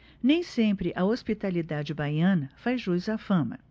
nem sempre a hospitalidade baiana faz jus à fama